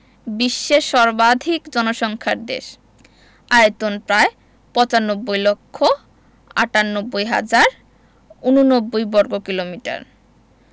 বিশ্বের সর্বাধিক জনসংখ্যার দেশ আয়তন প্রায় ৯৫ লক্ষ ৯৮ হাজার ৮৯ বর্গকিলোমিটার